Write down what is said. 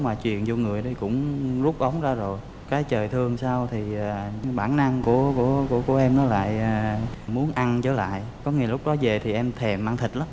mà chuyền dô người đấy cũng rút ống ra rồi cái trời thương sao thì như bản năng của của của của em nó lại muốn ăn trở lại có nghĩa là lúc đó về thì em thèm ăn thịt lắm